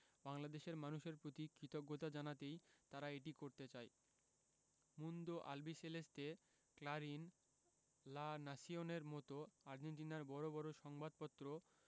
বাংলাদেশের মানুষের প্রতি কৃতজ্ঞতা জানাতেই তারা এটি করতে চায় Mundo Albiceleste Clarin La Nacion র মতো আর্জেন্টিনার বড় বড় সংবাদপত্র